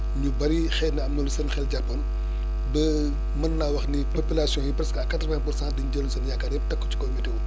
ñu bëri xëy na am na lu seen xel jàppoon ba mën naa wax ni population yi presque à qutare vingt pour cent dañ jëloon seen yaakaar yëpp teg ko ci kaw météo